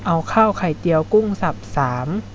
เอาข้าวไข่เจียวกุ้งสับสาม